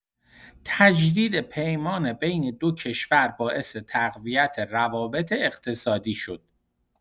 تجدید پیمان بین دو کشور باعث تقویت روابط اقتصادی شد.